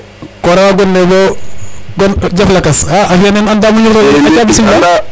Koo rawaa gon le bo jaf lakas , a fi'a nen anddaam o ñuxur ole de aca bismila